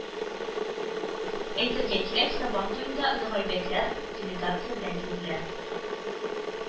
Әйтергә кирәк, Сабан туенда ногайбәкләр делегация белән килделәр